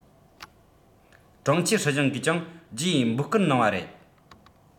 གྲོང ཁྱེར སྲིད གཞུང གིས ཀྱང རྒྱུའི འབོད སྐུལ གནང བ རེད